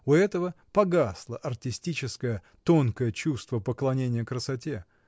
У этого погасло артистическое, тонкое чувство поклонения красоте.